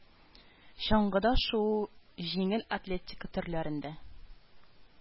Чаңгыда шуу, җиңел атлетика төрләрендә